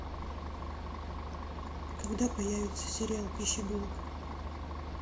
когда появится сериал пищеблок